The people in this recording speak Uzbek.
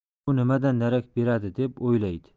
bu nimadan darak beradi deb o'ylaydi